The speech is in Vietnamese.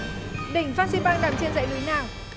đỉnh phan xi păng nằm trên dãy núi nào